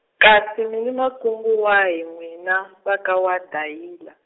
kasi mi na makungu wahi n'wina va ka waDayila?